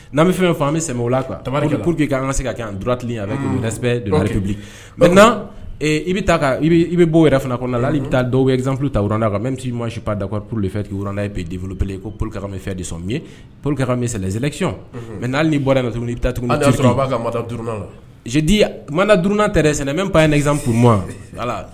N'an bɛ fɛn faa an bɛ sɛ a tari kɛ purke an ka se ka anti a bɛ mɛ i bɛ taa i bɛ bɔ yɛrɛ fana kɔnɔ na taa dɔwzfi tarna kan mɛ' i ma sup da kuwa poro fɛ' n'a p peplopye ko pourka fɛn desɔn ye pur ka mizlɛcɔn mɛ n''i bɔradi manadadan tɛ n bazp